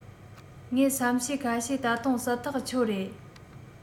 ངས བསམ ཤེས ཁ ཤས ད དུང གསལ ཐག ཆོད རེད